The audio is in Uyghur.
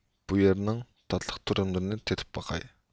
بۇ يەرنىڭ تاتلىق تۈرۈملىرىنى تېتىپ باقاي